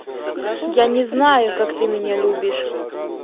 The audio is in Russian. не знаю как ты меня любишь